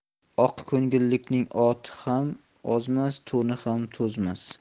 oqko'ngillikning oti ham ozmas to'ni ham to'zmas